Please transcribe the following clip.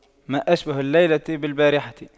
ما أشبه الليلة بالبارحة